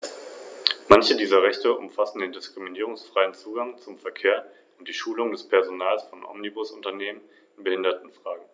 Dabei darf es nicht angehen, dass - wie es anscheinend die Absicht der Mitgliedsstaaten ist - Europa überhaupt nicht mehr in Erscheinung tritt.